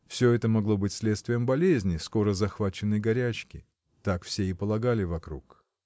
Всё это могло быть следствием болезни, скоро захваченной горячки: так все и полагали вокруг.